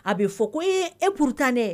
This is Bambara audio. A bɛ fɔ ko e e puru ne